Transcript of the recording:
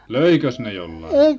löikös ne jollakin